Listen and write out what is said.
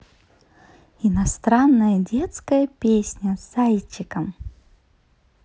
иностранная детская песня с зайчиком